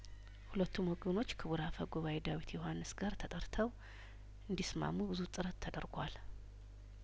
ሁለቱም ወገኖች ክቡር አፈ ጉባኤ ዳዊት ዮሀንስ ጋር ተጠርተው እንዲ ስማሙ ብዙ ጥረት ተደርጓል